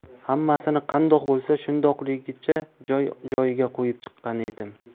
hammasini qandoq bo'lsa shundoqligicha joy joyiga qo'yib chiqqan edim